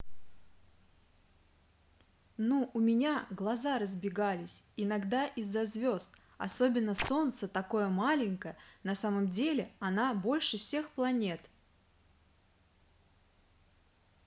ну у меня глаза разбегались иногда из за звезд особенно солнце такое маленькое на самом деле она больше всех планет